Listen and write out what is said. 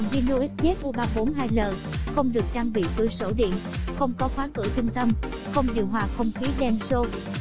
còn hino xzu l không được trang bị cửa sổ điện không có khóa cửa trung tâm không điều hòa không khí